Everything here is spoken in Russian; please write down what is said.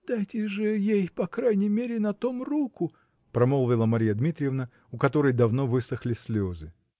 -- Дайте же ей по крайней мере на том руку, -- промолвила Марья Дмитриевна, у которой давно высохли слезы.